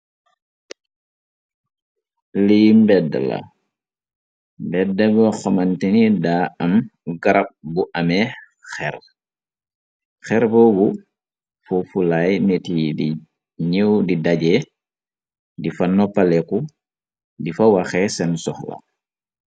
Lii mbedd la mbeddebo xamante ni daa am garab bu amee xeer xeerbobu fofulaay nit yi di ñew di daje di fa noppaleku di fa waxe sen soxla.